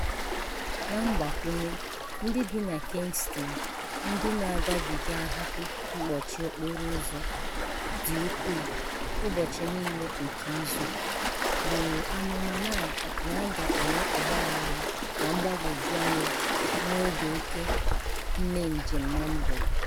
Na mgbakwụnye, ndị bi na Kingston, ndị na-agabiga ahụhụ mkpọchi okporo ụzọ dị ukwuu ụbọchị niile nke izu, buuru amụma na a ga-enwe ọgbaaghara na mgbagwọju anya n'oge oke mmenjem na mgbede.